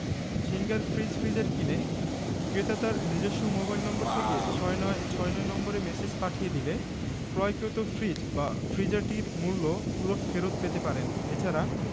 singer fridge freezer কিনে ক্রেতা তার নিজস্ব মোবাইল নম্বর থেকে ৬৯৬৯ নম্বরে ম্যাসেজ পাঠিয়ে দিয়ে ক্রয়কৃত ফ্রিজ বা ফ্রিজারটির পুরো মূল্য ফেরত পেতে পারেন এ ছাড়া